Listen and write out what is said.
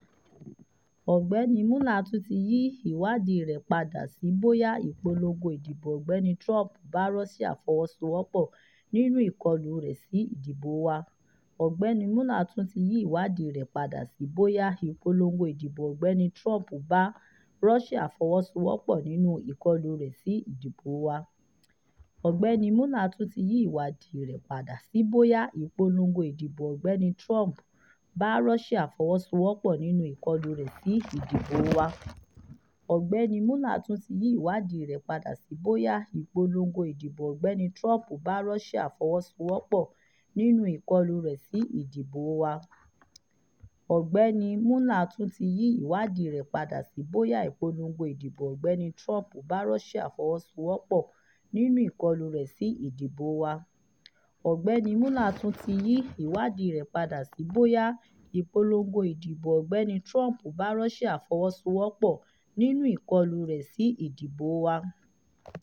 Ọ̀gbẹ́ni Mueller tún ti yí ìwádìí rẹ̀ padà sí bóyá Ìpolongo ìdìbò Ọ̀gbẹ́ni Trump bá Russia fọwọ́ sowọ́ pọ̀ nínú ìkọlù rẹ̀ sí ìdìbò wa.